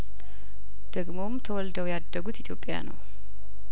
ደግሞም ተወልደው ያደጉት ኢትዮጵያ ነው